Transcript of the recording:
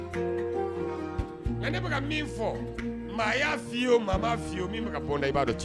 Ne ma min fɔ maa y'a f fɔ i ye o maa f fɔ i ye min bɔ b'a dɔn